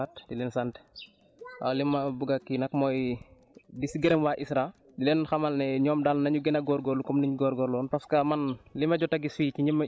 waaw jërëjëf Aliou maa ngi leen di nuyuwaat di leen sant waaw li ma bugg a kii nag mooy di si gërëm waa ISRA di leen xamal ne ñoom daal nañu gën a góorgóorlu comme niñ góorgóorlu woon